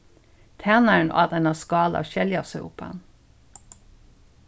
tænarin át eina skál av skeljasúpan